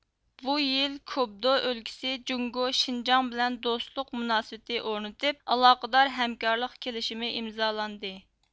بۇ يىل كوبدو ئۆلكىسى جۇڭگو شىنجاڭ بىلەن دوستلۇق مۇناسىۋىتى ئورنىتىپ ئالاقىدار ھەمكارلىق كېلىشىمى ئىمزالاندى